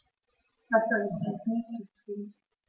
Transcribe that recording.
Was soll ich als Nächstes tun?